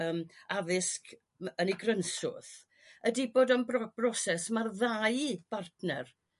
yrm addysg m- yn 'i grynswth ydi bod o'n bro- broses ma'r ddau bartner